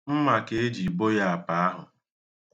Mma ka e ji bo ya apa ahụ.